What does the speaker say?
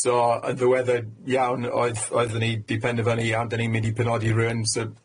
So yn ddiweddar iawn oedd oeddwn i 'di penderfynu iawn 'dan ni'n mynd i penodi rywun,